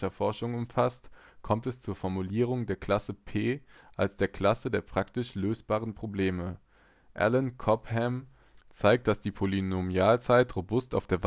Forschung umfasst, kommt es zur Formulierung der Klasse P als der Klasse der „ praktisch lösbaren “Probleme. Alan Cobham zeigt, dass die Polynomialzeit robust unter